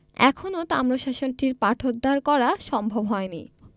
এখনও তাম্রশাসনটির পাঠোদ্ধার করা সম্ভব হয়নি